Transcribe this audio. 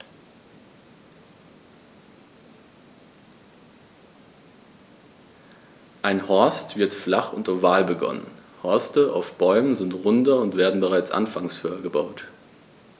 Ein Horst wird flach und oval begonnen, Horste auf Bäumen sind runder und werden bereits anfangs höher gebaut.